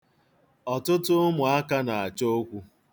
Ọtụtụ ụmụaka na-achọ okwu.